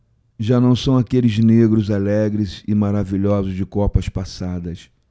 já não são aqueles negros alegres e maravilhosos de copas passadas